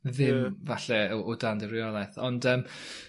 ddim... Ie. ...falle o o dan dy reoleth. Ond yym